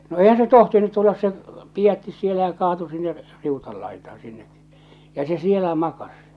no eihän se tohtinut tulla se pidätti siellä ja kaatui sinne - riutan laitaan sinne ja se siellä makasi